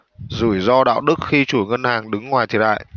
rủi ro đạo đức khi chủ ngân hàng đứng ngoài thiệt hại